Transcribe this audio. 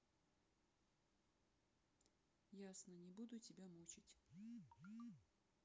ясно не буду тебя мучить